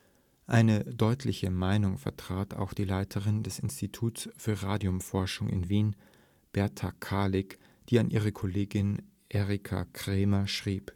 Eine deutliche Meinung vertrat auch die Leiterin des Instituts für Radiumforschung in Wien, Berta Karlik, die an ihre Kollegin Erika Cremer schrieb